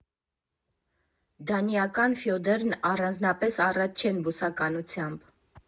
Դանիական ֆյորդերն առանձնապես առատ չեն բուսականությամբ։